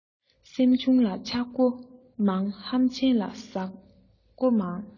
སེམས ཆུང ལ ཆགས སྒོ མང ཧམ ཆེན ལ ཟ སྒོ མང